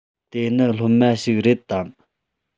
དེ ནི སློབ མ ཞིག རེད དམ